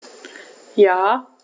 Ja.